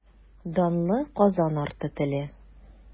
Данлы Казан арты теле.